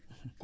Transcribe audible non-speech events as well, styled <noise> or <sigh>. <hesitation> <hesitation>